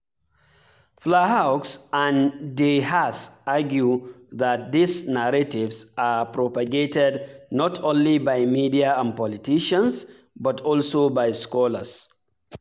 Flahaux and De Haas argue that these narratives are propagated not only by "media and politicians" but also by scholars.